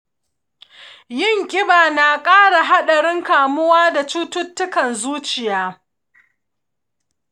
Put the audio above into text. yin kiba na ƙara haɗarin kamuwa da cututtukan zuciya.